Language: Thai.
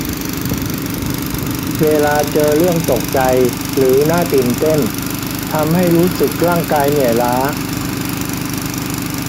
เวลาเจอเรื่องตกใจหรือน่าตื่นเต้นทำให้รู้สึกร่างกายเหนื่อยล้า